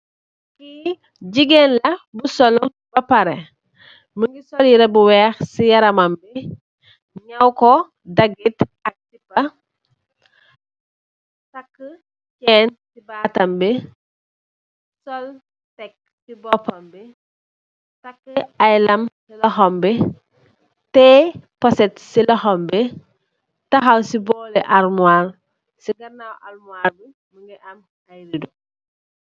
Kii jigéen la bu sollu ba pare, mu ngi sol yiree bu weex si yaramam bi, ñaw ko dagit ak sippa, takkë ceen si baatam bi, sol rek si boopam bi, takkë ay lam si loxoom bi, tiyee poset si loxoom bi, taxaw si boori almuwaar bi, si ganaaw almuwaar bi mu ngi am ay riddo.